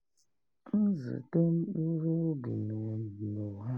Nzute mkpụrụ obi na onyinyo ha